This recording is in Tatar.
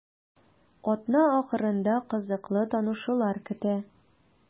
Атна ахырында кызыклы танышулар көтә.